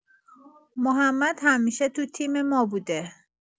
محمد همیشه تو تیم ما بوده.